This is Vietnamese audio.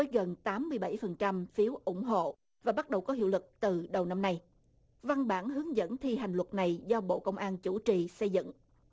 với gần tám mươi bảy phần trăm phiếu ủng hộ và bắt đầu có hiệu lực từ đầu năm nay văn bản hướng dẫn thi hành luật này do bộ công an chủ trì xây dựng